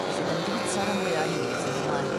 felly 'dan ni 'di bita ran fwya o 'heini wrth fynd ymlaen.